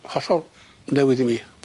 Hollol newydd i mi.